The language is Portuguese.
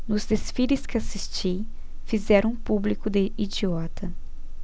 nos desfiles que assisti fizeram o público de idiota